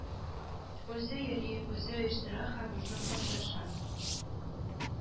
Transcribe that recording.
Үзе йөри үзе оештыра һәм үзе катнаша